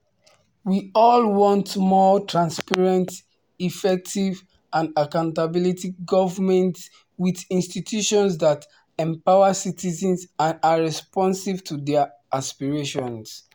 We all want more transparent, effective and accountable governments — with institutions that empower citizens and are responsive to their aspirations.